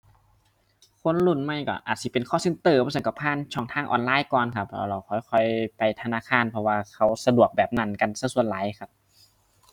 คนรุ่นใหม่ก็อาจสิเป็น call center บ่ซั้นก็ผ่านช่องทางออนไลน์ก่อนครับ แล้ว แล้วค่อยค่อยไปธนาคาร เพราะว่าเขาสะดวกแบบนั้นกันซะส่วนหลายครับ